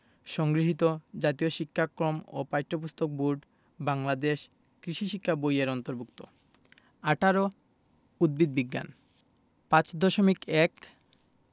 সংগৃহীত জাতীয় শিক্ষাক্রম ও পাঠ্যপুস্তক বোর্ড বাংলাদেশ কৃষি শিক্ষা বই এর অন্তর্ভুক্ত ১৮ উদ্ভিদ বিজ্ঞান ৫.১